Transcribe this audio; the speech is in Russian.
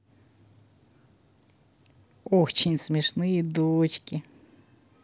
очень смешные дочки